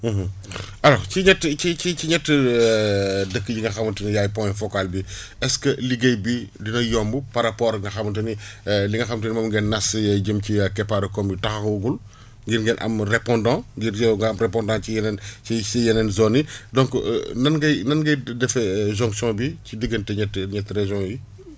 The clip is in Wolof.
alors si ñettici ci ci ñetti dëkk yi nga xamante ni yaay point focal bi est ce que liggéey bi dina yomb par rapport ak nga xamante ni li nga xam te ne moom ngeen nas jëm ci keppaaru koom yi taxawagul ngir ngeen am répondant ngir yow nga am répondant ci yeneen si si yeneen zones yi donc nan ngay nan ngay defee jonction bi ci diggante ñetti ñetti régions yi